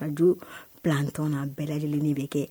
Ka planton la bɛɛ lajɛlenni bɛ kɛ